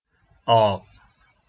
ออก